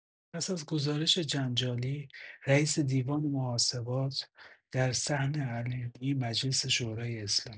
پس از گزارش جنجالی رئیس دیوان محاسبات در صحن علنی مجلس شورای اسلامی